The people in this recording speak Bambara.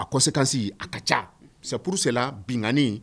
A ko se kasi a ka ca seuru serala binnen